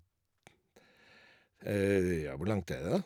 Ja, hvor langt er det, da?